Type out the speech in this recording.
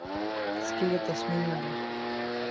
скелет осьминога